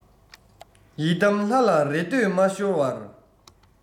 ཡི དམ ལྷ ལ རེ ལྟོས མ ཤོར བར